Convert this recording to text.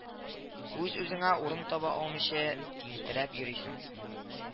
Үз-үзеңә урын таба алмыйча тинтерәп йөрисең